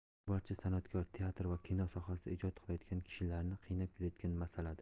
bu barcha san'atkor teatr va kino sohasida ijod qilayotgan kishilarni qiynab kelayotgan masaladir